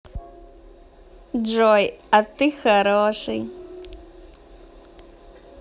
джой а ты хороший